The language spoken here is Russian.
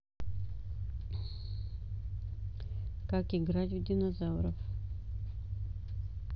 как играть в динозавров